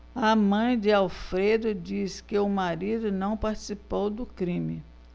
a mãe de alfredo diz que o marido não participou do crime